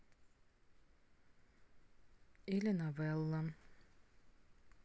или novella